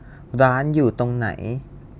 ร้านอยู่ตรงไหน